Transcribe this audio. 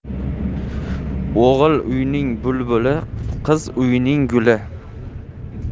o'g'il uyning bulbuli qiz uyning guli